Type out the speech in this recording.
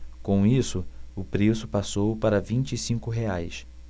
com isso o preço passou para vinte e cinco reais